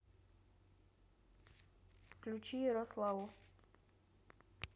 включи ярославу